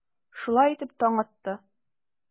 Шулай итеп, таң атты.